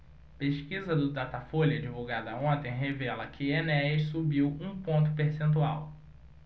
pesquisa do datafolha divulgada ontem revela que enéas subiu um ponto percentual